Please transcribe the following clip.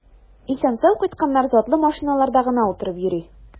Исән-сау кайтканнар затлы машиналарда гына утырып йөри.